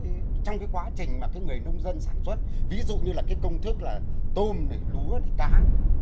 trong quá trình mà cái người nông dân sản xuất ví dụ như là cái công thức là tôm này lúa lày cá này